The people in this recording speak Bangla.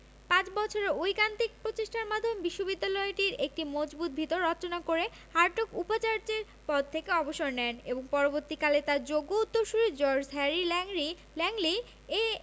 পাঁচ বছরের ঐকান্তিক প্রচেষ্টার মাধ্যমে বিশ্ববিদ্যালয়টির একটি মজবুত ভিত রচনা করে হার্টগ উপাচার্যের পদ থেকে অবসর নেন এবং পরবর্তীকালে তাঁর যোগ্য উত্তরসূরি জর্জ হ্যারি ল্যাংলি এ